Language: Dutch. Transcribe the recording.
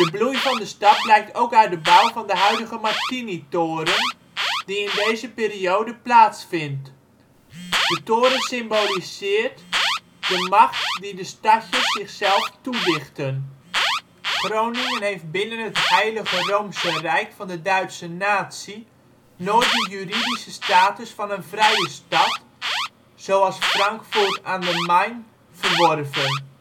bloei van de stad blijkt ook uit de bouw van de huidige Martinitoren die in deze periode plaatsvindt. De toren symboliseert de macht die de stadjers zichzelf toedichten. Groningen heeft binnen het Heilige Roomse Rijk van de Duitse Natie nooit de juridische status van een " vrije stad " zoals Frankfurt aan de Main verworven